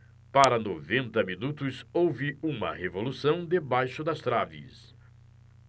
para noventa minutos houve uma revolução debaixo das traves